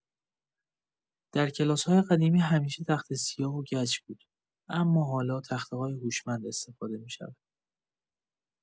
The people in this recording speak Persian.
در کلاس‌های قدیمی همیشه تخته‌سیاه و گچ بود اما حالا تخته‌های هوشمند استفاده می‌شود.